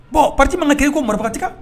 Bon pati ma ka k'i ko mari marifati kan